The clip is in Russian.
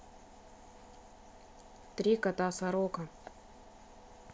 три кота сорока